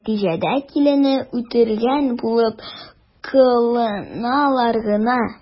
Нәтиҗәдә киленне үтергән булып кыланалар гына.